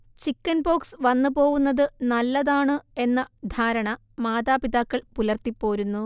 chickenpox വന്നുപോവുന്നത് നല്ലതാണു എന്ന ധാരണ മാതാപിതാക്കൾ പുലർത്തിപോരുന്നു